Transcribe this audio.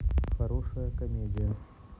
хорошая комедия